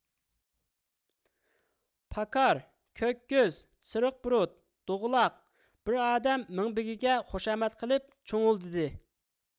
پاكار كۆك كۆز سېرىق بۇرۇت دوغىلاق بىر ئادەم مىڭبېگىگە خۇشامەت قىلىپ چۇڭۇلدىدى